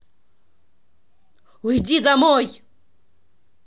уйди домой